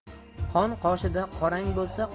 xon qoshida qorang bo'lsa